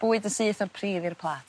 Bwyd yn syth o'r pridd i'r plat.